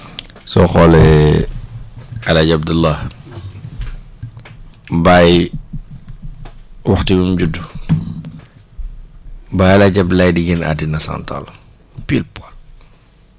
soo xoolee El Hadj Abdalah Baye waxtu wi mu judd ba El Hadj Abdalaye di génn addina cent ans la pile poile